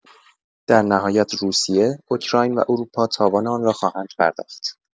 در نهایت روسیه، اوکراین و اروپا تاوان آن را خواهند پرداخت.